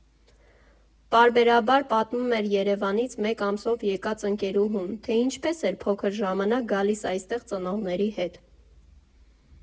Պարբերաբար պատմում էր Երևանից մեկ ամսով եկած ընկերուհուն, թե ինչպես էր փոքր ժամանակ գալիս այստեղ ծնողների հետ։